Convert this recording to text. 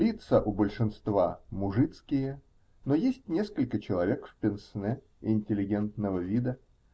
Лица у большинства мужицкие, но есть несколько человек в пенсне, интеллигентского вида.